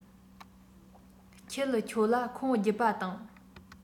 ཁྱི ཁྱོད ལ ཁུངས བརྒྱུད པ དང